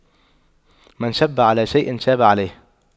من شَبَّ على شيء شاب عليه